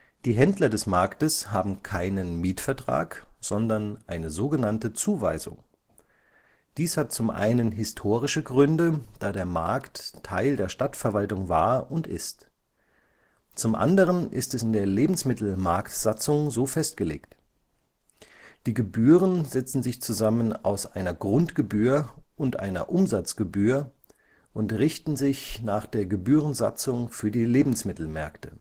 Die Händler des Marktes haben keinen Mietvertrag, sondern eine so genannte Zuweisung. Dies hat zum einen historische Gründe, da der Markt Teil der Stadtverwaltung war und ist. Zum anderen ist es in der Lebensmittelmarktsatzung so festgelegt. Die Gebühren setzen sich zusammen aus einer Grundgebühr und einer Umsatzgebühr und richten sich nach der Gebührensatzung für die Lebensmittelmärkte